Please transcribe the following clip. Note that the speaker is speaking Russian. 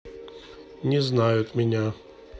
не знают меня